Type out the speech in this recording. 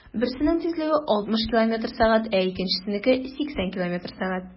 Берсенең тизлеге 60 км/сәг, ә икенчесенеке - 80 км/сәг.